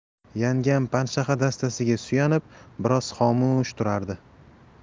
yangam panshaxa dastasiga suyanib biroz xomush turardi